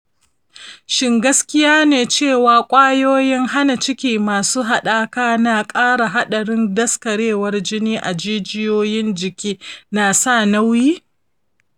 shin gaskiya ne cewa kwayoyin hana ciki masu haɗaka na ƙara haɗarin daskarewar jini a jijiyoyin jiki nasu nauyi?